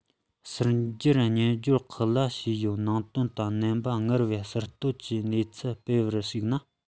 གསར འགྱུར སྨྱན སྦྱོར ཁག ལ བྱས ཡོད ནང དོན དང རྣམ པ སྔར བས གསར གཏོད ཀྱིས གནས ཚུལ སྤེལ བར གཞིགས ན